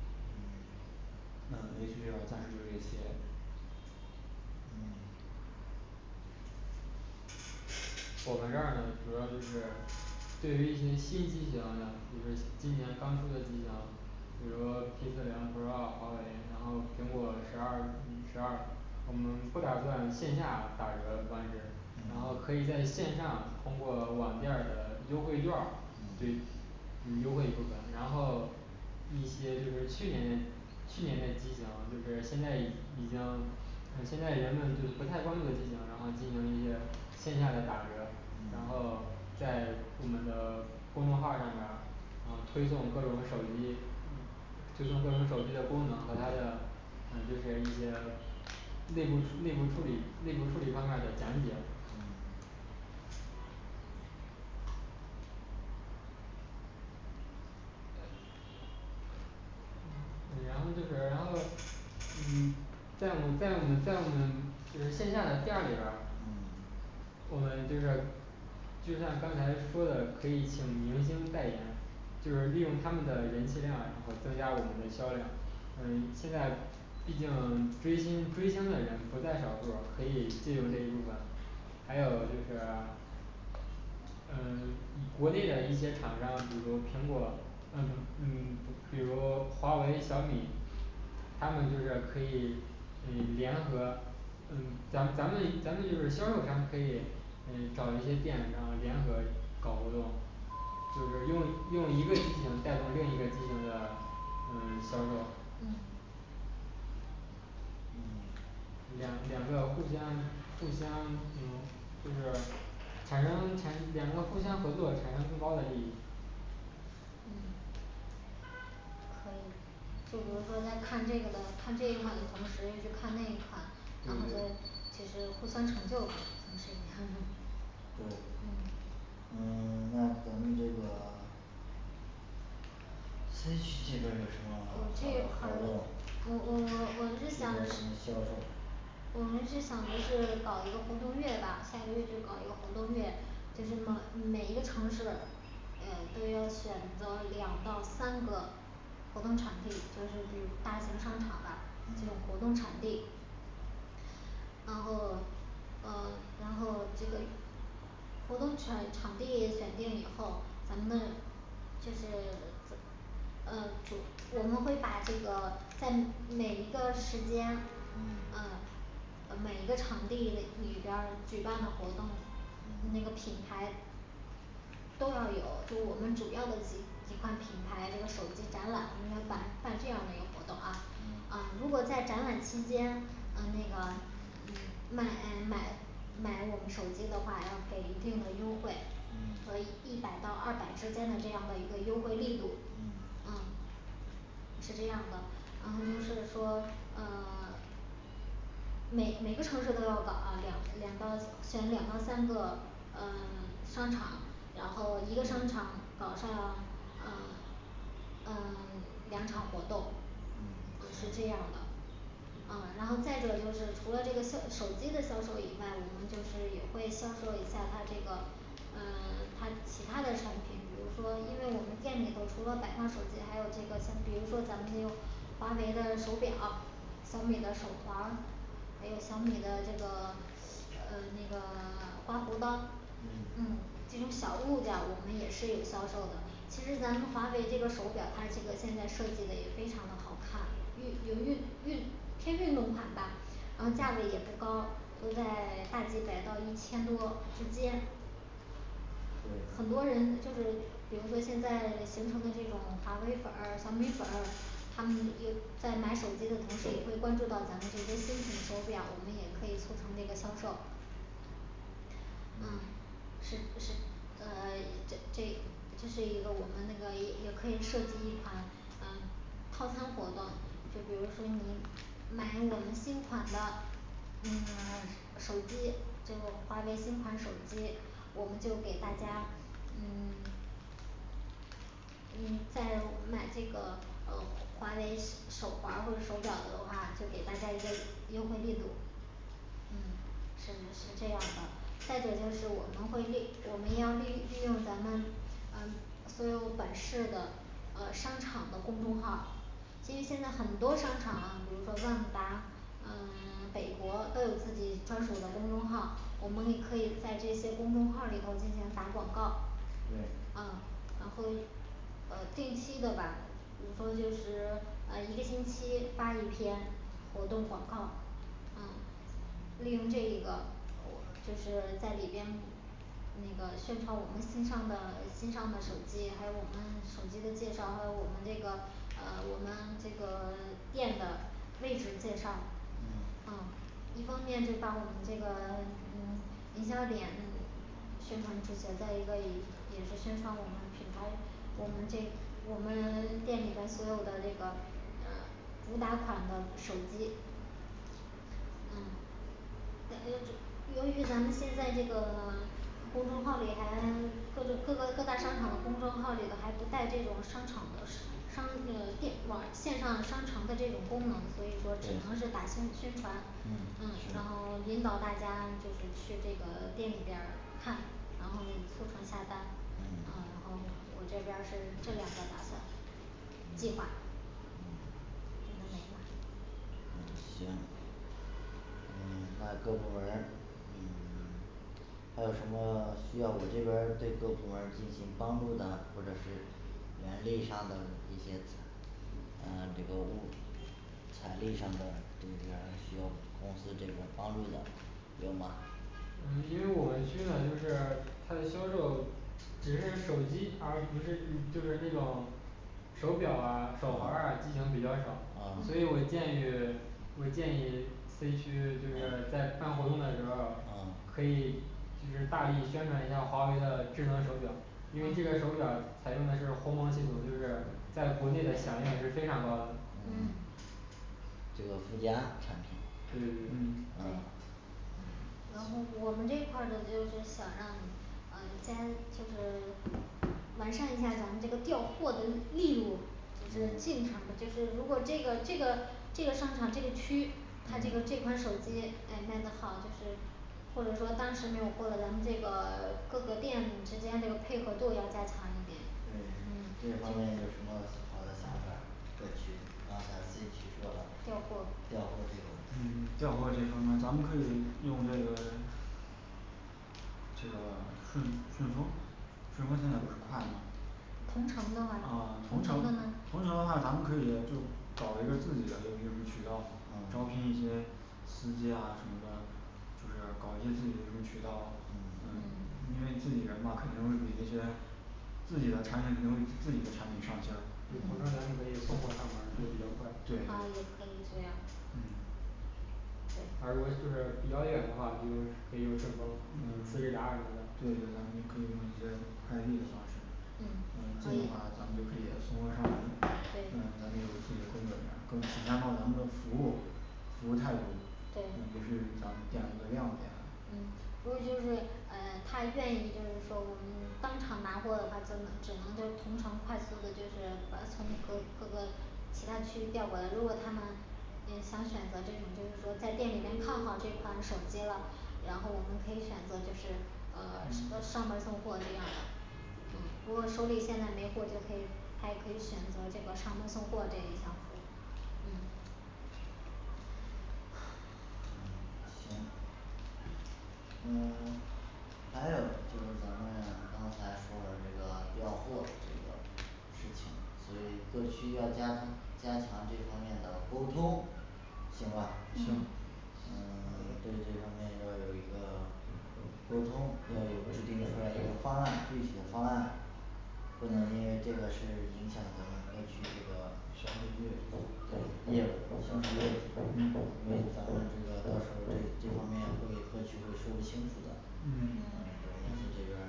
嗯嗯A区这方面儿就这些嗯我们这儿呢主要就是对于一些新机型的，就是今年刚出的机型比如P四零pro华为，然后苹果十二嗯十二我们不打算线下打折，但是然后可嗯以在线上通过网店儿的优惠劵儿，对嗯嗯优惠一部分，然后进一些就是去年的去年的机型就是现在已经嗯现在人们就不太关注的机型儿，然后进行一些线下的打折，然嗯后在我们的公众号儿上边儿呃推送各种手机嗯就从各种手机的功能和它的嗯就是那个内部内部处理内部处理方案的讲解嗯&嗯&嗯然后就是然后嗯在我们在我们在我们就是线下的店里边儿嗯我们就是就像刚才说的可以请明星代言，就是利用他们的人气量，然后增加我们的销量嗯现在毕竟追星追星的人不在少数儿，可以借用这一部分还有就是嗯 以国内的一些厂商，比如苹果嗯嗯，比如华为、小米他们就是可以嗯联合嗯咱咱们咱们就是销售咱可以嗯找一些店，然后联合搞活动，就是用用一个机型带动另一个机型的嗯销售嗯嗯两两个互相互相那种就是产生产，两个互相合作产生更高的利益嗯可以就比如说在看这个的看这一款的同时也去看那一款，对然后再对就是互相成就呗，同时也是对嗯嗯 那咱们这个 C区这边儿有什么好我这的块儿活我动我我我或是者什想么销售我们是想的是搞一个活动月吧，下个月就搞一个活动月，就是猛嗯每一个城市嗯都要选择两到三个活动场地，就是比如大型商场吧这种活动场地，然后呃然后这个活动场场地选定以后，咱们就是呃呃主 我们会把这个在每一个时间嗯嗯呃每一个场地那里边儿举办的活动，那个嗯品牌都要有就我们主要的几几款品牌这个手机展览，没有版办这样的一个活动啊啊如嗯果在展览期间呃那个嗯买买买买我们手机的话，要给一定的优惠可以嗯一百到二百之间的这样的一个优惠力度嗯嗯是这样的，然后就是说呃 每每个城市都要搞啊两两到选两到三个呃 商场，然后一个商场搞上呃 呃 两场活动嗯是这样的嗯然后再者就是除了这个销手机的销售以外，我们就是也会销售一下它这个嗯 它其它的产品，比如说因为我们店里头除了摆放手机，还有这个像比如说咱们那个华为的手表，小米的手环儿，还有小米的这个 呃那个 刮胡刀儿，嗯嗯这种小物件儿我们也是有销售的其实咱们华为这个手表它这个现在设计的也非常的好看，运有运运偏运动款吧，然后价位也嗯不高，都在大几百到一千多之间对很多人就是比如说现在形成的这个华为本儿小米本儿他们又在买手机的同时，也会关注到咱们这些新品手表，我们也可以促成这个销售嗯嗯是是呃 这这这是一个我们那个也也可以设计一款呃套餐活动，就比如说你买我们新款的嗯呃 手手机，就华为新款手机，我们就给大家嗯 嗯在买这个呃华为手手环儿或者手表的话，就给大家一个优惠力度嗯是是这样的，再者就是我们会利我们要利利用咱们嗯所有本市的呃商场的公众号儿因为现在很多商场啊，比如说万达，嗯 北国都有自己专属的公众号儿，我们也可以在这些公众号儿里头进行打广告儿对嗯然后呃定期的吧比如说就是 呃一个星期发一篇活动广告嗯利用这一个我就是在里边那个宣传我们新上的新上的手机，还有我们手机的介绍，还有我们这个呃我们这个 店的位置介绍嗯哦一方面就把我们这个 嗯营销点嗯宣传职责，再一个也也是宣传我们品牌，我们这我们店里的所有的这个呃主打款的手机嗯但呃这个由于这咱们现在这个 公众号里还 各个各个各大商场的公众号儿里的还不带这种商场的商呃电网线上商城的这种功能，所以说只能是打宣宣传，嗯嗯然后引导大家就是去这个店里边儿看，然后就凑成下单嗯嗯然后我这边儿是这两个打算。计划嗯我的没啦嗯行嗯把各部门儿嗯 还有什么需要我这边儿对各部门儿进行帮助的，或者是援力上的一些嗯 这个物财力上的你们这儿需要公司这边儿帮助的，有吗嗯因为我们区呢就是它的销售只是手机，而不是就是那种手表啊手环儿啊机型比较少，所以嗯我建于我建议C区就是在办活动的时候儿，可嗯以就是大力宣传一下华为的智能手表因为这边儿手表采用的是鸿蒙系统，就是在国内的响应是非常高的嗯嗯这个附加产品对对对嗯对然后我们这一块儿的就是想让呃先就是完善一下咱们这个调货的力度就是尽嗯可能的就是如果这个这个这个商场这个区他这个这嗯款手机哎卖得好就是或者说当时没有获得，咱们这个 各个店之间那个配合度要加强一点对这嗯方面有什么好的想法儿各区刚才C区说了调调货货这个调货这方面咱们可以用这个计划顺顺丰顺丰现在不是快了吗同城的话话啊同同城城的呢话同城的话，咱们可以就是找一个自己的那种渠道呃招聘一些司机啊什么的就是搞一些自己的渠道嗯，嗯因为自己人嘛肯定会比那些自己的产品能够自己的产品上线，就是对说咱们对可以送对货上门儿也比较快啊也可以这样嗯对而如果就是比较远的话就可以用顺丰次日达什么的对对咱们可以用快递方式嗯嗯近可的以话咱们就可以送货上门那咱对们也可以更体现了我们的服务服务态度你不对是想要建一个亮点嗯如果就是嗯他愿意就是说我们当场拿货的话，就只能就同城快速的就是把从各各个其他区调过来，如果他们也想选择这种就是说在店里面看好这款手机了，然后我们可以选择就是呃 上 上门儿送货这样的嗯如果手里现在没货，就可以他也可以选择这个上门送货这一项服务嗯嗯行你们还有就是咱们刚才说的这个调货这个事情，所以各区要加加强这方面的沟通行吧嗯行嗯 对这方面要有一个沟通，要有制定一个这个方案，具体的方案不能因为嗯这个事影响咱们各区这个销售业务业务销售业务因为咱们这个销售这这方面会过去会说不清楚的嗯嗯我嗯们这边儿